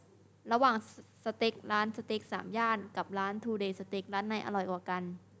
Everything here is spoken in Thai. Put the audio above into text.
ระหว่างสเต็กร้านสเต็กสามย่านกับร้านทูเดย์สเต็กร้านไหนอร่อยกว่ากัน